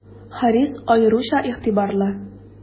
Харис аеруча игътибарлы.